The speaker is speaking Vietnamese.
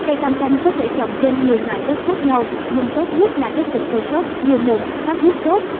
cây cam canh có thể trồng trên nhiều loại đất khác nhau nhưng tốt nhất là đất thịt tơi xốp nhiều mùn thoát nước tốt